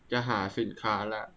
จะหาสินค้าละ